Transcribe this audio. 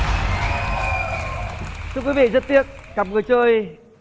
quý quý vị rất tiếc cặp người chơi